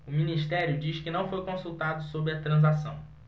o ministério diz que não foi consultado sobre a transação